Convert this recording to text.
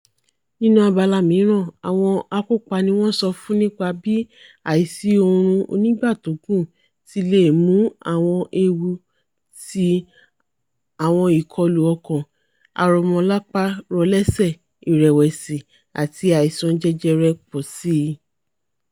nínú abala mìíràn, àwọn akópa níwọ́n sọ fún nípa bí àìsí oorun onígbàtógùn ti leè mú àwọn ewu ti àwọn ìkọlù ọkàn, arọmọlápá-rọlẹ́sẹ̀, ìrẹ̀wẹ̀sí àti àìsàn jẹjẹrẹ pọ̀síi.